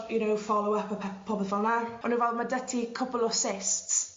you know follow up a pe- popeth fel 'na o' n'w fel ma' 'dy ti cwpwl o cysts